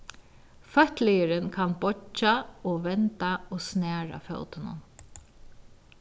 fótliðurin kann boyggja og venda og snara fótinum